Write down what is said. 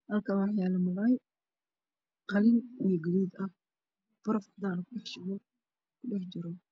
Halkaan waxaa yaalo babaayo qalin iyo guduud ah baraf kudhex jiro